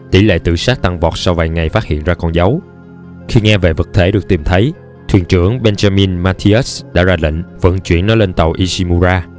tỷ lệ tự sát tăng vọt sau vài ngày phát hiện ra con dấu khi nghe về vật thể được tìm thấy thuyền trưởng benjamin mathius đã ra lệnh vận chuyển nó lên tàu ishimura